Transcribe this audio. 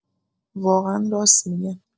واقعا راست می‌گن!